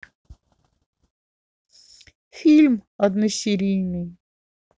фильм односерийный